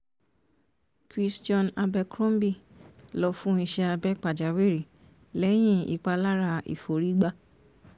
Christion Abercrombie lọ fún Iṣẹ́ Abẹ Pàjáwìrì Lẹ̀yìn Ìpalára Ìforígbà